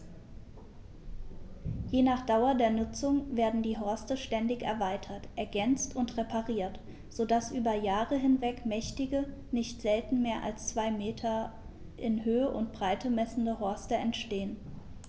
Je nach Dauer der Nutzung werden die Horste ständig erweitert, ergänzt und repariert, so dass über Jahre hinweg mächtige, nicht selten mehr als zwei Meter in Höhe und Breite messende Horste entstehen.